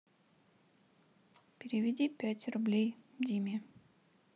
переведи пять рублей диме